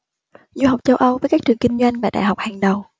du học châu âu với các trường kinh doanh và đại học hàng đầu